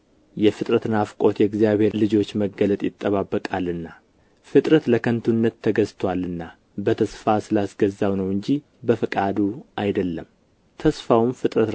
የፍጥረት ናፍቆት የእግዚአብሔርን ልጆች መገለጥ ይጠባበቃልና ፍጥረት ለከንቱነት ተገዝቶአልና በተስፋ ስላስገዛው ነው እንጂ በፈቃዱ አይደለም ተስፋውም ፍጥረት